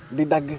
di dagg